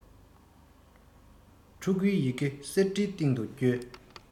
ཕྲུ གུའི ཡི གེ གསེར ཁྲིའི སྟེང དུ སྐྱོལ